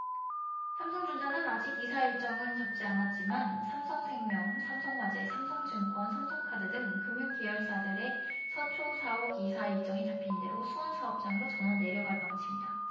삼성전자는 아직 이사 일정은 잡지 않았지만 삼성생명 삼성화재 삼성증권 삼성카드 등 금융계열사들의 서초 사옥 이사 일정이 잡히는 대로 수원사업장으로 전원 내려갈 방침이다